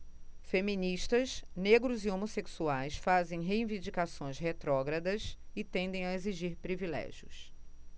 feministas negros e homossexuais fazem reivindicações retrógradas e tendem a exigir privilégios